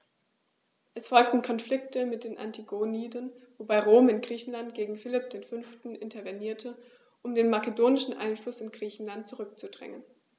Es folgten Konflikte mit den Antigoniden, wobei Rom in Griechenland gegen Philipp V. intervenierte, um den makedonischen Einfluss in Griechenland zurückzudrängen.